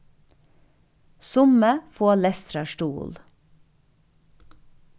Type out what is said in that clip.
summi fáa lestrarstuðul